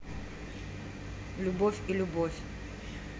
любовь и любовь